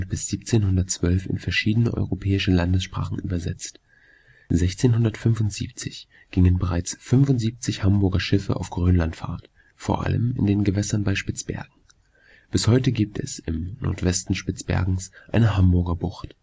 1712 in verschiedene europäische Landessprachen übersetzt. 1675 gingen bereits 75 Hamburger Schiffe auf Grönlandfahrt, vor allem in den Gewässern bei Spitzbergen. Bis heute gibt es im Nordwesten Spitzbergens eine Hamburger Bucht